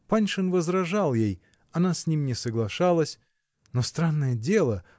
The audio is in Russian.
Паншин возражал ей; она с ним не соглашалась. Но, странное дело!